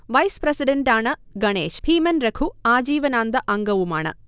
vice പ്രസിഡന്റാണ് ഗണേശ്, ഭീമൻരഘു ആജീവനാന്ത അംഗവുമാണ്